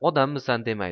odammisan demaydi